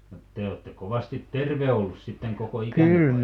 no te olette kovasti terve ollut sitten koko ikänne vai